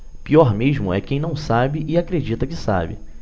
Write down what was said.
pior mesmo é quem não sabe e acredita que sabe